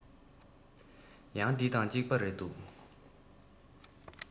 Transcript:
ཡང འདི དང ཅིག པ རེད འདུག